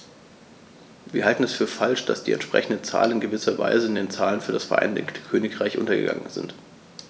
Wir halten es für falsch, dass die entsprechenden Zahlen in gewisser Weise in den Zahlen für das Vereinigte Königreich untergegangen sind.